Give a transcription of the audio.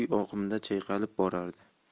kuy oqimida chayqalib borardi